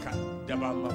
Ka danbaa ma